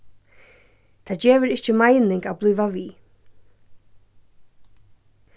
tað gevur ikki meining at blíva við